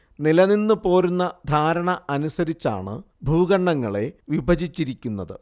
നിലനിന്നു പോരുന്ന ധാരണ അനുസരിച്ചാണ് ഭൂഖണ്ഡങ്ങളെ വിഭജിച്ചിരിക്കുന്നത്